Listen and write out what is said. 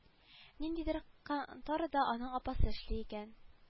Ниндидер конторада аның апасы эшли икән